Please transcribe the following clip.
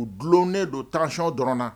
U dulonnen don taati dɔrɔnna